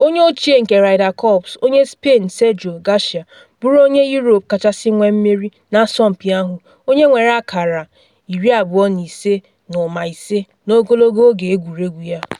Onye ochie nke Ryder Cups, onye Spain Sergio Garcia bụrụ onye Europe kachasị nwee mmeri na asọmpi ahụ, onye nwere akara 25.5 n’ogologo oge egwuregwu ya.